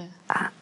ia.